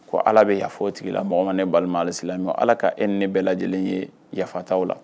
Ko ala bɛ yafa tigila mɔgɔ ma ne balimaalisila ala ka e ni ne bɛɛ lajɛlen ye yafata la